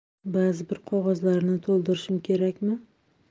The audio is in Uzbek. bazi bir qog'ozlarni to'ldirishim kerakm